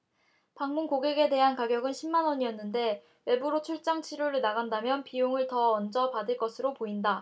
방문 고객에 대한 가격은 십 만원이었는데 외부로 출장 치료를 나간다면 비용을 더 얹어 받을 것으로 보인다